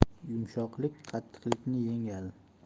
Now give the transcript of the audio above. yumshoqlik qattiqlikni yengadi